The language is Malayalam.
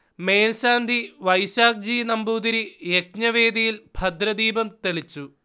മേൽശാന്തി വൈശാഖ് ജി. നമ്പൂതിരി യജ്ഞവേദിയിൽ ഭദ്രദീപം തെളിച്ചു